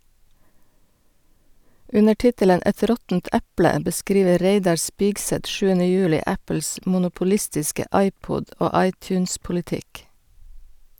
Under tittelen "Et råttent eple" beskriver Reidar Spigseth 7. juli Apples monopolistiske iPod- og iTunes-politikk.